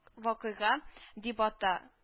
Вакыйга дип ата